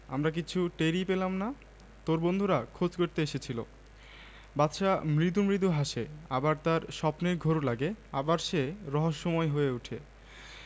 ০১ কথোপকথন তুই নাকি আরব দেশে যাচ্ছিস বাদশা কিছু বলে না বোন তার হাত ধরে আবার বলে সত্যি বাদশাকে ভাত বেড়ে দিয়ে বলে তলে তলে কখন তুই ঠিক করলি